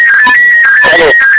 alo